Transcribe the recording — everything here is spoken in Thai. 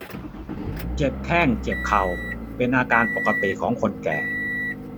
เจ็บแข้งเจ็บเข่าเป็นอาการปกติของคนแก่